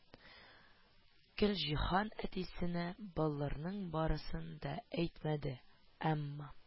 Гөлҗиһан әтисенә боларның барысын да әйтмәде, әмма